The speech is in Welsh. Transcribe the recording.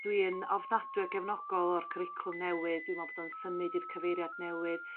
dwi yn ofnadwy o gefnogol o'r cwricwlwm newydd dwi me'wl bod o'n symud i'r cyfeiriad newydd